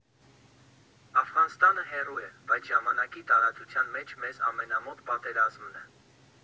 Աֆղանստանը հեռու է, բայց ժամանակի և տարածության մեջ մեզ ամենամոտ պատերազմն է։